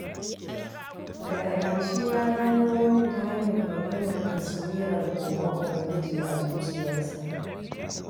Daga ƙarshe ya gano wurin ta hanyar bayyanar tasawirar kogon Ubangiji a zuciyarsa.